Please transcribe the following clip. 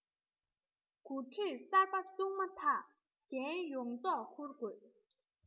འགོ ཁྲིད གསར པ བཙུགས མ ཐག འགན ཡོངས རྫོགས འཁུར དགོས